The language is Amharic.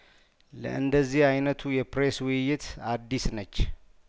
ለእንደ ዚህ አይነቱ የፕሬስ ውይይት አዲስነች